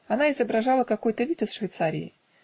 Она изображала какой-то вид из Швейцарии